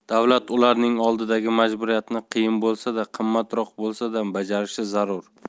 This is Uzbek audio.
davlat ularning oldidagi majburiyatini qiyin bo'lsa da qimmatroq bo'lsa da bajarishi zarur